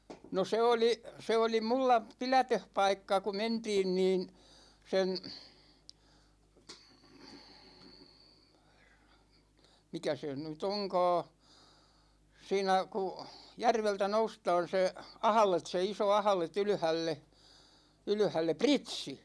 no se oli se oli minulla pidätöspaikka kun mentiin niin sen mikä se nyt onkaan siinä kun järveltä noustaan se ahde se iso ahde ylhäälle ylhäälle Pritsi